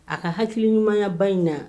A ka hakili ɲumanyaba in na